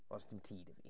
Does dim tŷ 'da fi.